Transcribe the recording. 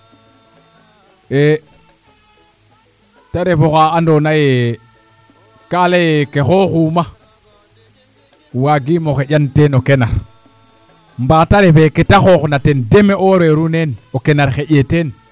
te ref oxa andoona yee kaa laye kee xooxuuma waagim o xeƴan teen no kenar mbaate refee ke ta xooxna ten deme'ooreeru neen o kenar xeƴee teen